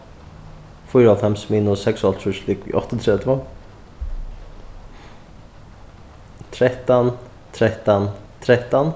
fýraoghálvfems minus seksoghálvtrýss ligvið áttaogtretivu trettan trettan trettan